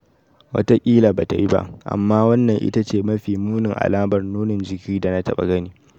Wataƙila ba ta yi ba, amma wannan ita ce mafi munin alamar nunin jiki da na taɓa gani. "